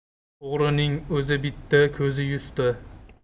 o'g'rining o'zi bitta ko'zi yuzta